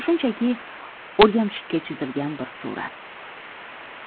shunchaki o'rgamchikka chizilgan bir surat